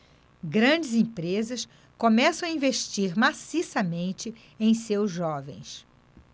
grandes empresas começam a investir maciçamente em seus jovens